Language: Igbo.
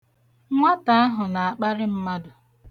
Nwata ahụ na-akparị mmadụ.